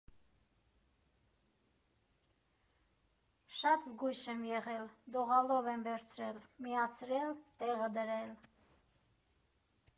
Շատ զգույշ եմ եղել, դողալով եմ վերցրել, միացրել, տեղը դրել։